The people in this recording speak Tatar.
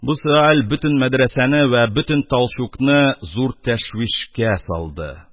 Бу сөаль бөтен мәдрәсәне вә бөтен талчукны зур тәшвишкә салды.